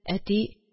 Әти